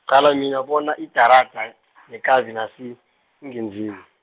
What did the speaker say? qala mina bona idarada, nekabi nasi, ingenzeni.